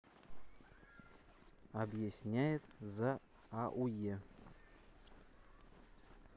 объясняет за ауе